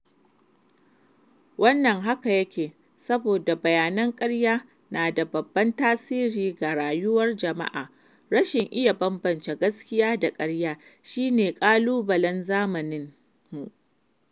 Wannan haka yake saboda bayanan ƙarya na da babban tasiri ga rayuwar jama'a; rashin iya bambance gaskiya da ƙarya shi ne ƙalubalen zamaninmu.